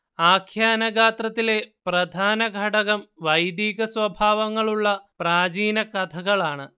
ആഖ്യാനഗാത്രത്തിലെ പ്രധാനഘടകം വൈദികസ്വഭാവങ്ങളുള്ള പ്രാചീനകഥകളാണ്